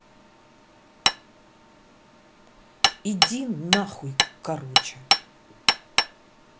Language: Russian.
иди нахуй короче